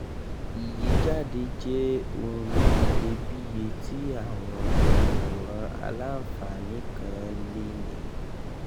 Iyijade jẹ ohun iyebiye ti awọn oluworan alanfaani kan leni.